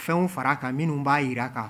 Fɛnw fara kan minnu b'a jira a kan